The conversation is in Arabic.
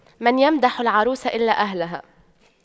من يمدح العروس إلا أهلها